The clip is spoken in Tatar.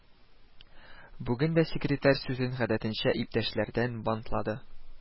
Бүген дә секретарь сүзен гадәтенчә «Иптәшләр»дән бантлады: